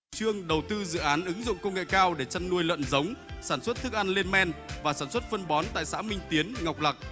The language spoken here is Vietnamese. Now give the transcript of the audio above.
trương đầu tư dự án ứng dụng công nghệ cao để chăn nuôi lợn giống sản xuất thức ăn lên men và sản xuất phân bón tại xã minh tiến ngọc lặc